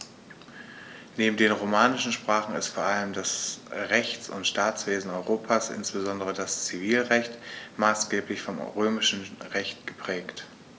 Neben den romanischen Sprachen ist vor allem das Rechts- und Staatswesen Europas, insbesondere das Zivilrecht, maßgeblich vom Römischen Recht geprägt.